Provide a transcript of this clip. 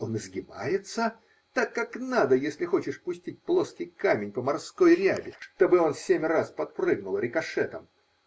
Он изгибается -- так как надо, если хочешь пустить плоский камень по морской ряби, чтобы он семь раз подпрыгнул рикошетом.